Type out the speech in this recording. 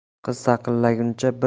qiz saqlaguncha bir